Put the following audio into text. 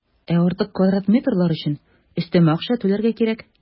Ә артык квадрат метрлар өчен өстәмә акча түләргә кирәк.